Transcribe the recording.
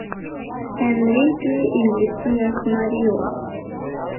энрике иглесиас марио